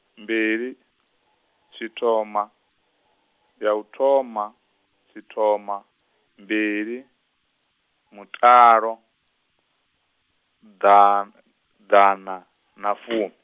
mbili, tshithoma, ya u thoma, tshithoma, mbili, mutalo, dan-, ḓana, na fumi.